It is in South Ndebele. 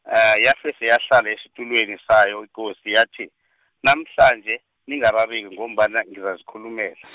yafese yahlala esitulweni sayo ikosi yathi, namhlanje, ningarareki ngombana ngizazikhulumela.